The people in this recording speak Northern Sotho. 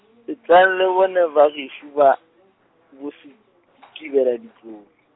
etlang le bone bagešo ba, boSethibeladitlou.